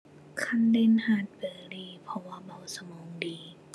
Cullen HateBerry เพราะว่าเบาสมองดี